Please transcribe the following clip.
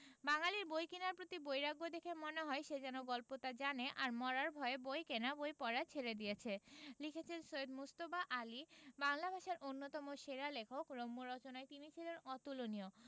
বাঙালীর বই কেনার প্রতি বৈরাগ্য দেখে মনে হয় সে যেন গল্পটা জানে আর মরার ভয়ে বই কেনা বই পড়া ছেড়ে দিয়েছে লিখেছেনঃ সৈয়দ মুজতবা আলী বাংলা ভাষার অন্যতম সেরা লেখক রম্য রচনায় তিনি ছিলেন অতুলনীয়